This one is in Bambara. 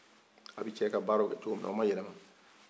a bi cɛ ka baaraw kɛ cogo min na o ma yɛlɛma